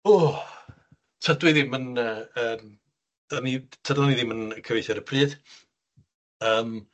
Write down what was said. O, tydw i ddim yn yy yym, 'dan ni, tydan ni ddim yn cyfieithu ar y pryd, yym.